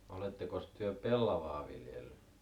olettekos te pellavaa viljellyt